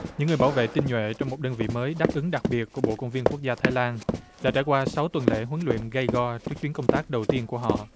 những người bảo vệ tinh nhuệ trong một đơn vị mới đáp ứng đặc biệt của bộ công viên quốc gia thái lan đã trải qua sáu tuần lễ huấn luyện gay go trước chuyến công tác đầu tiên của họ